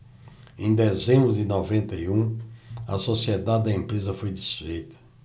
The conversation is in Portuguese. em dezembro de noventa e um a sociedade da empresa foi desfeita